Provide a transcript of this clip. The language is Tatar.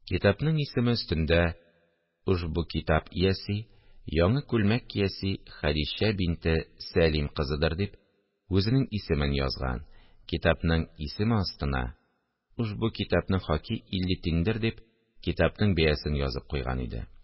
Китапның исеме өстендә, «Ушбу китап ияси, яңы күлмәк кияси Хәдичә бинте Сәлим кызыдыр» дип, үзенең исемен язган, китапның исеме астына, «Ушбу китапның хаки илли тндер» дип, китапның бәясен язып куйган иде